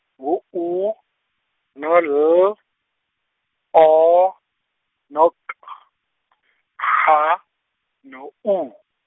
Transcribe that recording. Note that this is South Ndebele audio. ngu U, no L, O, no K , H, no U.